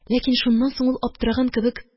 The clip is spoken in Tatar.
Ләкин шуннан соң ул, аптыраган кебек,